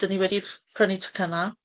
Dan ni wedi p- prynu tocynnau.